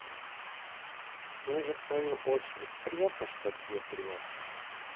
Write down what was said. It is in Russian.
мне же в свою очередь приятно что тебе приятно